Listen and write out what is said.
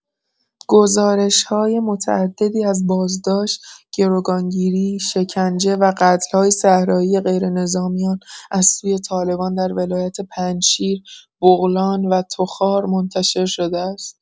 گزارش‌های متعددی از بازداشت، گروگانگیری، شکنجه و قتل‌های صحرایی غیرنظامیان از سوی طالبان در ولایت پنجشیر، بغلان و تخار منتشر شده است.